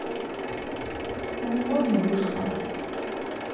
у него не вышло